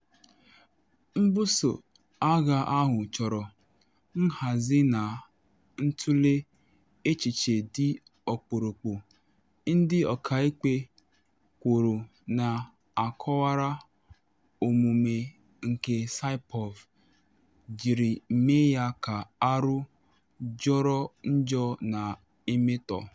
Mbuso agha ahụ chọrọ “nhazi na ntụle echiche dị ọkpụrụkpụ,” ndị ọkaikpe kwuru, na akọwara omume nke Saipov jiri mee ya ka “arụ, jọrọ njọ na mmetọ.”